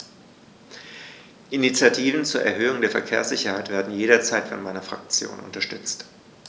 Initiativen zur Erhöhung der Verkehrssicherheit werden jederzeit von meiner Fraktion unterstützt.